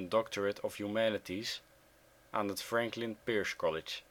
Doctorate of Humanities aan het Franklin Pierce College